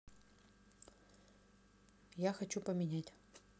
я хочу поменять